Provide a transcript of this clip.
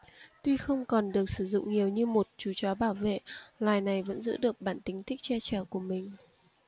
tuy không còn được sử dụng nhiều như một chú chó bảo vệ loài này vẫn giữ được bản tính thích che chở của mình